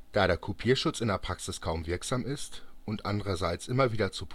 Da der Kopierschutz in der Praxis kaum wirksam ist und andererseits immer wieder zu